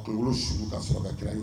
Kunkolo sugu ka sɔrɔ ka kira yen